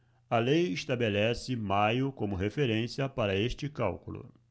a lei estabelece maio como referência para este cálculo